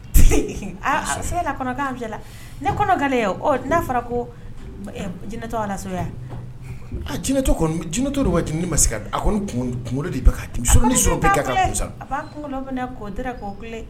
Igala kɔnɔla nele n'a fɔra ko jinɛtɔ alasoya a jinɛ jinɛtɔ de bɛ di ma se ka a kunkolo de a'a'o tɛra'